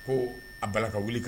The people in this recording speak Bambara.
Ko a bala ka wuli